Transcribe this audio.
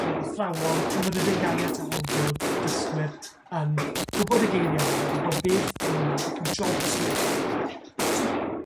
yr athrawon cymryd yn ganiataol bod dysgwyr yn gwbod y geirie yma yn gwbod beth ma' nw'n neud beth yw jobs nw. So